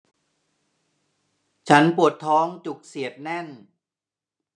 ฉันปวดท้องจุกเสียดแน่น